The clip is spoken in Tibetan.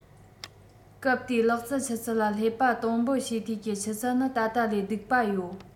སྐབས དེའི ལག རྩལ ཆུ ཚད ལ བསླེབས པ གཏོང འབུད བྱས འཐུས ཀྱི ཆུ ཚད ནི ད ལྟ ལས སྡུག པ ཡོད